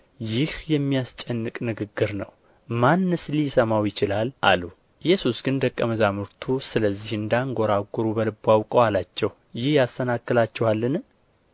ይህ የሚያስጨንቅ ንግግር ነው ማን ሊሰማው ይችላል አሉ ኢየሱስ ግን ደቀ መዛሙርቱ ስለዚህ እንዳንጐራጐሩ በልቡ አውቆ አላቸው ይህ ያሰናክላችኋልን